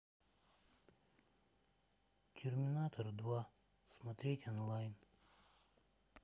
терминатор два смотреть онлайн